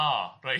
O reit.